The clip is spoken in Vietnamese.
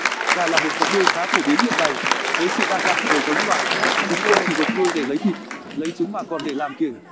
gà là một vật nuôi khá phổ biến hiện nay với sự đa dạng về giống loài chúng không chỉ được nuôi để lấy thịt lấy trứng mà còn để làm kiểng